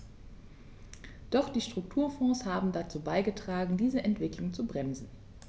Doch die Strukturfonds haben dazu beigetragen, diese Entwicklung zu bremsen.